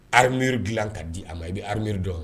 Armure dilan ka di a ma.I bɛ armure dɔn?